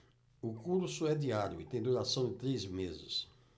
o curso é diário e tem duração de três meses